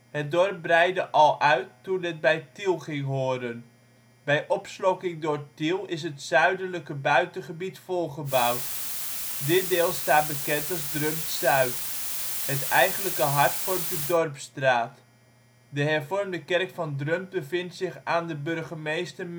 dorp breidde al uit toen het bij Tiel ging horen. Bij opslokking door Tiel is het zuidelijke buitengebied volgebouwd. Dit deel staat bekend als Drumpt-Zuid. Het eigenlijke hart vormt de Dorpsstraat. De hervormde kerk van Drumpt bevindt zich aan de Burgemeester